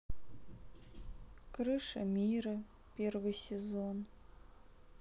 крыша мира первый сезон